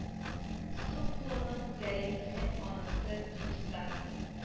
Сул кулымны күтәрим дисәм анысы гипста